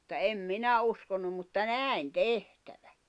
mutta en minä uskonut mutta näin tehtävän